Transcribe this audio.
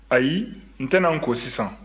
ayi n tɛna n ko sisan